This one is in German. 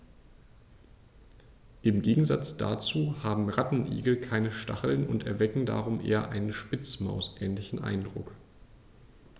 Im Gegensatz dazu haben Rattenigel keine Stacheln und erwecken darum einen eher Spitzmaus-ähnlichen Eindruck.